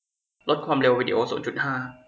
ลดความเร็ววีดีโอศูนย์จุดห้า